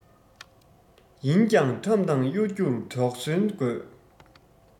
ཡིན ཀྱང ཁྲམ དང གཡོ སྒྱུར དོགས ཟོན དགོས